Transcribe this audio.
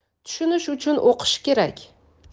tushunish uchun o'qish kerak